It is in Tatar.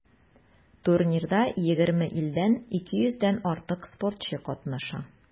Турнирда 20 илдән 200 дән артык спортчы катнаша.